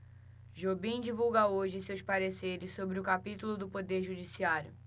jobim divulga hoje seus pareceres sobre o capítulo do poder judiciário